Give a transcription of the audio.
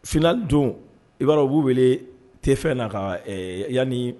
F don i b'a b'u wele te fɛn na ka yanani